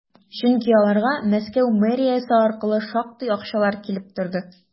Чөнки аларга Мәскәү мэриясе аркылы шактый акчалар килеп торды.